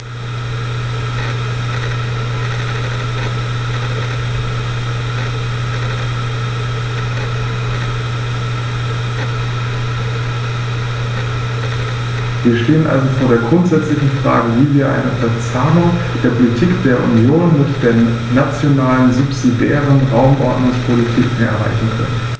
Wir stehen also vor der grundsätzlichen Frage, wie wir eine Verzahnung der Politik der Union mit den nationalen subsidiären Raumordnungspolitiken erreichen können.